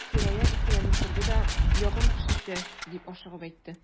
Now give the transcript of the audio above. Фирая икеләнеп торды да: — Якын кешесе,— дип ашыгып әйтте.